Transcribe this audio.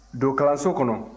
don kalanso kɔnɔ